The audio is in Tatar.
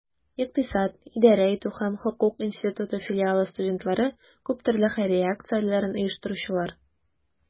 Икътисад, идарә итү һәм хокук институты филиалы студентлары - күп төрле хәйрия акцияләрен оештыручылар.